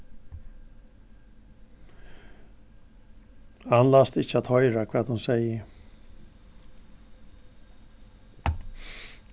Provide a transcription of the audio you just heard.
hann lætst ikki hoyra hvat hon segði